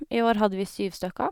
I år hadde vi syv stykker.